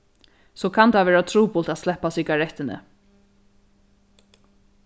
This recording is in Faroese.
so kann tað vera trupult at sleppa sigarettini